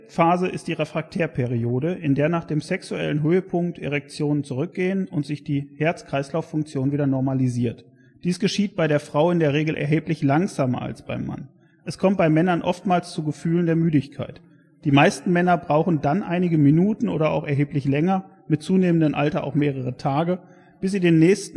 Phase ist die Refraktärperiode, in der nach dem sexuellem Höhepunkt Erektionen zurückgehen und sich die Herz-Kreislauf-Funktion wieder normalisiert. Dies geschieht bei der Frau in der Regel erheblich langsamer als beim Mann. Es kommt bei Männern oftmals zu Gefühlen der Müdigkeit. Die meisten Männer brauchen dann einige Minuten oder auch erheblich länger (mit zunehmendem Alter auch mehrere Tage) bis